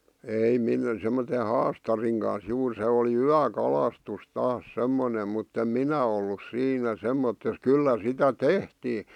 ei - semmoisen haastarin kanssa juuri se oli yökalastus taas semmoinen mutta en minä ollut siinä semmoisessa kyllä sitä tehtiin